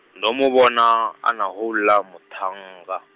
ndo muvhona, ana houḽa, muṱhannga.